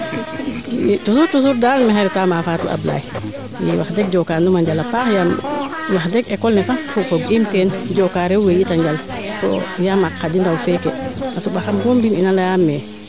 toujours toujours daal maxey reta maa Fatou Ablaye i de wax deg jooka num a njal a paax wax deg école ne sax fog iim teen jooko rewe yita njal to yamaak Khady Ndaw feeke a soɓaxam boo mbin in a leya xame